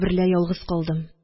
Берлә ялгыз калдым